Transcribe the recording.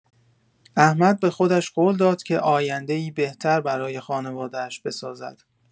احمد به خودش قول داد که آینده‌ای بهتر برای خانواده‌اش بسازد.